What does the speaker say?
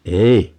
ei